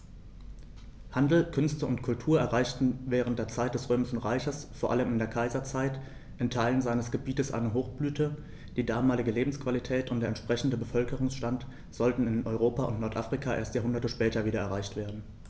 Handel, Künste und Kultur erreichten während der Zeit des Römischen Reiches, vor allem in der Kaiserzeit, in Teilen seines Gebietes eine Hochblüte, die damalige Lebensqualität und der entsprechende Bevölkerungsstand sollten in Europa und Nordafrika erst Jahrhunderte später wieder erreicht werden.